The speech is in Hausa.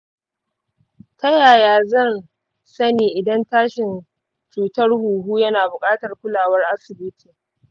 ta yaya zan sani idan tashin cutar huhu yana buƙatar kulawar asibiti?